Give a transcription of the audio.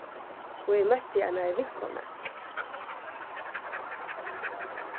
og eg møtti einari vinkonu